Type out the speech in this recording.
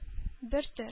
Бертөр